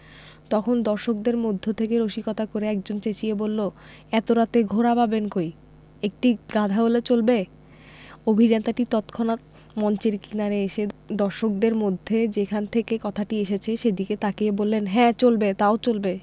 তখন দর্শকদের মধ্য থেকে রসিকতা করে একজন চেঁচিয়ে বললো এত রাতে ঘোড়া পাবেন কই একটি গাধা হলে চলবে অভিনেতাটি তৎক্ষনাত মঞ্চের কিনারে এসে দর্শকদের মধ্যে যেখান থেকে কথাটা এসেছে সেদিকে তাকিয়ে বললেন হ্যাঁ চলবে তাও চলবে